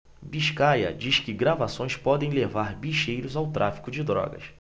biscaia diz que gravações podem ligar bicheiros ao tráfico de drogas